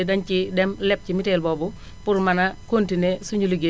dañu ciy dem leb ci mutuel boobu pour mën a continuer suñu ligéey